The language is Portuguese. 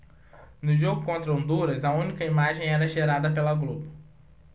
no jogo contra honduras a única imagem era gerada pela globo